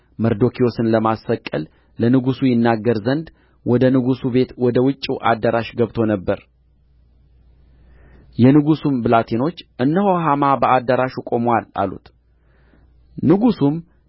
መርዶክዮስን ለማሰቀል ለንጉሡ ይናገር ዘንድ ወደ ንጉሡ ቤት ወደ ውጭው አዳራሽ ገብቶ ነበር የንጉሡም ብላቴኖች እነሆ ሐማ በአዳራሹ ቆሞአል አሉት ንጉሡም